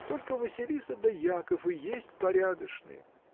Только Василиса да Яков и есть порядочные!